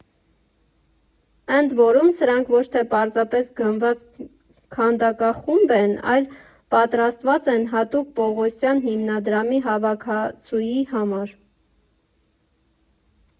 Ընդ որում, սրանք ոչ թե պարզապես գնված քանդակախումբ են, այլ պատրաստված են հատուկ Պողոսյան հիմնադրամի հավաքածուի համար։